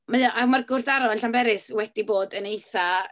Mae o... a ma'r gwrthdaro yn Llanberis wedi bod yn eitha...